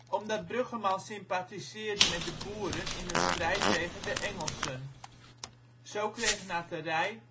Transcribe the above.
omdat Bruggemann sympathiseerde met de Boeren in hun strijd tegen de Engelsen. Zo kreeg Naterij